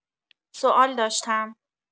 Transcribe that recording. سوال داشتم